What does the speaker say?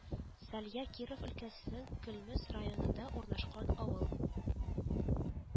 Салья Киров өлкәсенең Көлмез районында урнашкан авыл